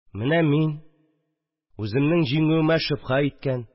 Менә мин – үземнең җиңүемә шөбһә иткән